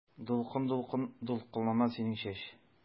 Дулкын-дулкын дулкынлана синең чәч.